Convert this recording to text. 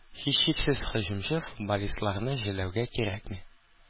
Һичшиксез һөҗүмче футболистларны жәллэүгә кирәкми.